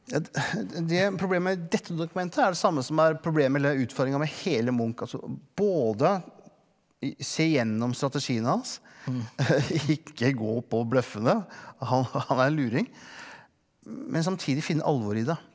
ja det problemet med dette dokumentet er det samme som er problemet eller utfordringa med hele Munch altså både se gjennom strategien hans ikke gå på bløffene han han er luring men samtidig finne alvoret i det.